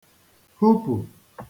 hupù